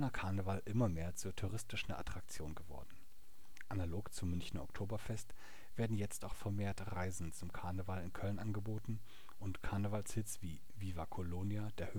Karneval immer mehr zur touristischen Attraktion geworden. Analog zum Münchner Oktoberfest werden jetzt auch vermehrt Reisen zum Karneval in Köln angeboten, und Karnevalshits wie " Viva Colonia " der